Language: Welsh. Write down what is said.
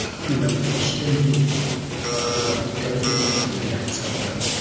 Dwi'n meddwl y cwestiwn fydd a fydd 'na ddigon o gyfeithwyr i atab y galw.